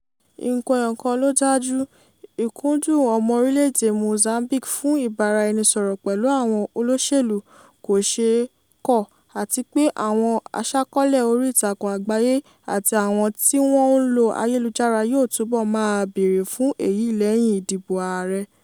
Nǹkan eyọ̀kan ló dájú, ìkúdùn ọmọ orílẹ̀ èdè Mozambique fún ìbáraẹnisọ̀rọ̀ pẹ̀lú àwọn olóṣèlú kò ṣeé kọ̀, àti pé àwọn aṣàkọ́ọ́lẹ̀ orí ìtàkùn àgbáyé àti àwọn tí wọ́n ń lo ayélujára yóò túbọ̀ maa bèèrè fún èyí lẹ́yìn ìdìbò ààrẹ.